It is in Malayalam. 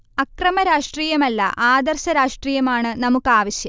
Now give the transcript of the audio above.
അക്രമ രാഷ്ട്രീയമല്ല ആദർശ രാഷട്രീയമാണ് നമുക്ക് ആവശ്യം